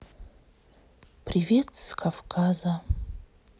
привет с кавказа